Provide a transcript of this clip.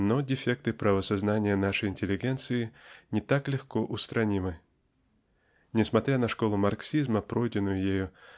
Но дефекты правосознания нашей интеллигенции не так легко устранимы. Несмотря на школу марксизма пройденную ею